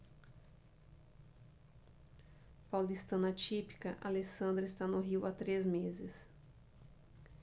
paulistana típica alessandra está no rio há três meses